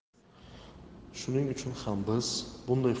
shuning uchun ham biz bunday